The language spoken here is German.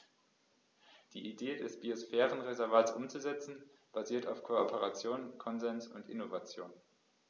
Die Idee des Biosphärenreservates umzusetzen, basiert auf Kooperation, Konsens und Innovation.